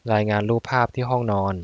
รายงานรูปภาพที่ห้องนอน